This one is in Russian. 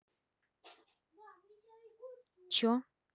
че